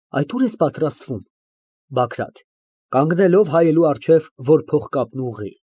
Այդ ո՞ւր ես պատրաստվում։ ԲԱԳՐԱՏ ֊ (Կանգնելով հայելու առջև, որ փողկապն ուղղի)։